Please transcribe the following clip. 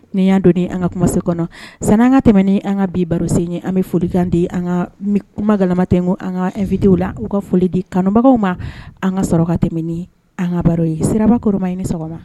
Ni'i y'a don an ka kuma se kɔnɔ san an ka tɛmɛn an ka bi barosen ɲɛ an bɛ folikan di an ka kuma gama tɛ an ka anfittew la u ka foli di kanubagaw ma an ka sɔrɔ tɛmɛn an ka baro ye siraba koroba ɲini ni sɔgɔma